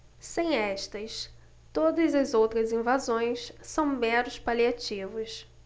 sem estas todas as outras invasões são meros paliativos